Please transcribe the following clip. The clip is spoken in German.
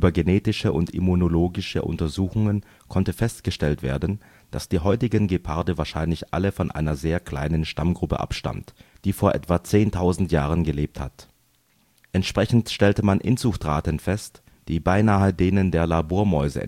genetische und immunologische Untersuchungen konnte festgestellt werden, dass die heutigen Geparde wahrscheinlich alle von einer sehr kleinen Stammgruppe abstammt, die vor etwa 10.000 Jahren gelebt hat. Entsprechend stellte man Inzuchtraten fest, die beinahe denen der Labormäuse entsprechen